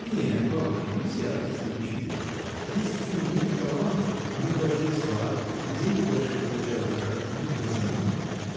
— Нет, бабушка, не все артисты — учители, есть знаменитые таланты: они в большой славе и деньги большие получают за картины или за музыку.